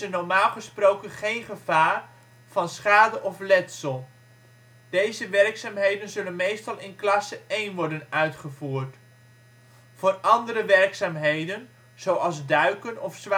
normaal gesproken geen gevaar van schade of letsel. Deze werkzaamheden zullen meestal in klasse 1 worden uitgevoerd.. Voor ander werkzaamheden, zoals duiken of